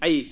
a yiyii